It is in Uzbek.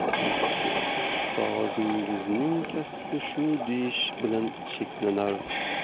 ustozingizning kasbi shu deyish bilan cheklanar